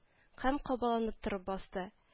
Кәм кабаланып торып басты